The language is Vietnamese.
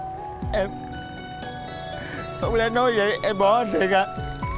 em không lẽ nói vậy em bỏ anh thiệt hả